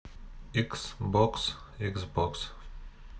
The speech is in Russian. x box xbox